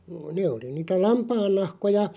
ne oli niitä lampaannahkoja